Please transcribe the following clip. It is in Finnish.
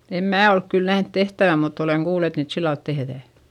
en minä ole kyllä nähnyt tehtävän mutta olen kuullut että niitä sillä lailla tehdään